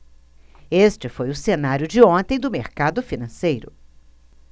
este foi o cenário de ontem do mercado financeiro